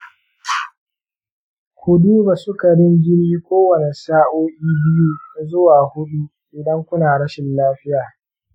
ku duba sukarin jini kowane sa’o’i biyu zuwa huɗu idan kuna rashin lafiya.